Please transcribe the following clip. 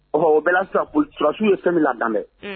Ɔ o bɛ sa sulasiw ye sami danbeme